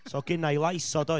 So oedd gynna i ei lais o doedd.